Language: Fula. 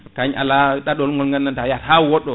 tañ ala ɗaaɗol ngol gandanɗa yaahat ha woɗɗo